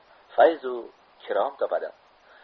fayzu kirom topadi